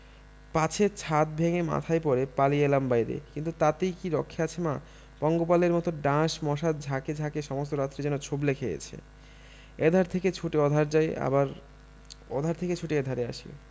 পাছে ছাত ভেঙ্গে মাথায় পড়ে পালিয়ে এলাম বাইরে কিন্তু তাতেই কি রক্ষে আছে মা পঙ্গপালের মত ডাঁশ মশা ঝাঁকে ঝাঁকে সমস্ত রাত্রি যেন ছুবলে খেয়েছে এধার থেকে ছুটে ওধার যাই আবার ওধার থেকে ছুটে এধারে আসি